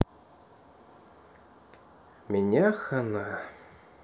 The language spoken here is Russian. меня хана